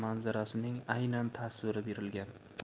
manzarasining aynan tasviri berilgan